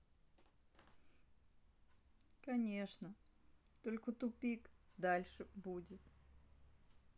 конечно только тупик дальше будет